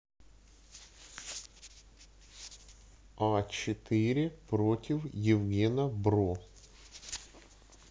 а четыре против евгена бро